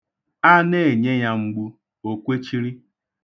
A na-enye ya mgbu, o kwechiri.